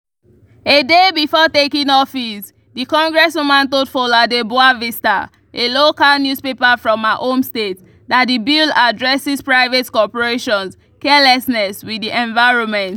A day before taking office, the congresswoman told Folha de Boa Vista, a local newspaper from her home state, that the bill addresses private corporations’ carelessness with the environment: